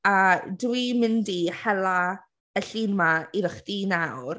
A dwi'n mynd i hela y llun 'ma iddo chdi nawr...